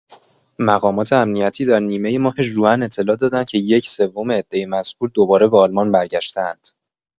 مقامات امنیتی در نیمه ماه ژوئن اطلاع دادند که یک‌سوم عده مذکور دوباره به آلمان برگشته‌اند.